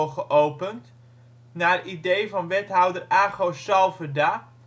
geopend, naar idee van wethouder Ago Salverda